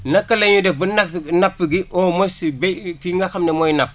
naka la ñuy def ba na napp gi au moins ba ki nga xam ne mooy napp